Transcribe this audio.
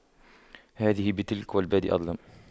هذه بتلك والبادئ أظلم